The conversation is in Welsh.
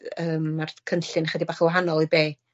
yym ma'r cynllun chydig bach y' wahanol i be'